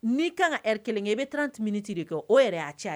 N'i kan kari kelen kɛ i bɛ tran tɛmɛn min ci de kɔ o yɛrɛ y'a caya